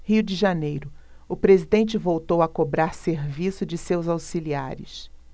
rio de janeiro o presidente voltou a cobrar serviço de seus auxiliares